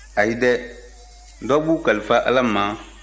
ayi dɛ dɔw b'u kalifa ala ma